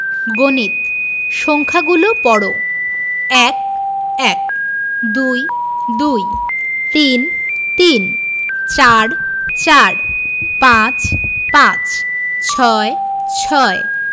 ২৫ গণিত সংখ্যাগুলো পড়ঃ ১ - এক ২ - দুই ৩ - তিন ৪ – চার ৫ – পাঁচ ৬ - ছয়